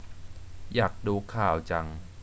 อยากดูข่าวจัง